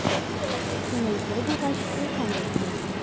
Күңел көр булгач, илһам да килә.